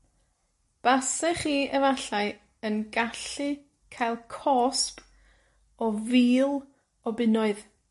Basech chi efallai yn gallu cael cosb o fil o bunnoedd.